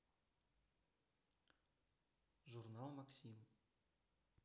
журнал максим